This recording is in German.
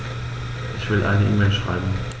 Ich will eine E-Mail schreiben.